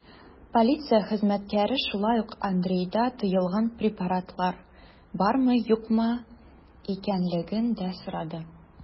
Полиция хезмәткәре шулай ук Андрейда тыелган препаратлар бармы-юкмы икәнлеген дә сорады.